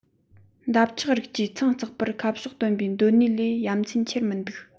འདབ ཆགས རིགས ཀྱིས ཚང རྩེག པར ཁ ཕྱོགས སྟོན པའི གདོད ནུས ལས ཡ མཚན ཆེར མི འདུག